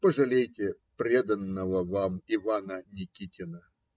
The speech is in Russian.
Пожалейте преданного вам Ивана Никитина.